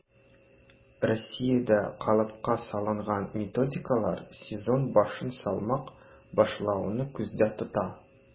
Россиядә калыпка салынган методикалар сезон башын салмак башлауны күздә тота: